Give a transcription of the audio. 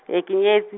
e ke nyetše.